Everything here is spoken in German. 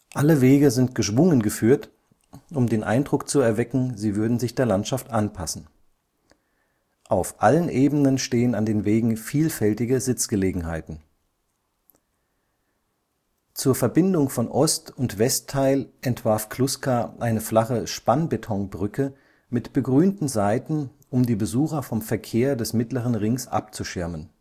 Alle Wege sind geschwungen geführt, um den Eindruck zu erwecken, sie würden sich der Landschaft anpassen. Auf allen Ebenen stehen an den Wegen vielfältige Sitzgelegenheiten. Zur Verbindung von Ost - und Westteil entwarf Kluska eine flache Spannbeton-Brücke mit begrünten Seiten, um die Besucher vom Verkehr des Mittleren Rings abzuschirmen